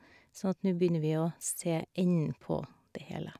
Sånn at nu begynner vi å se enden på det hele.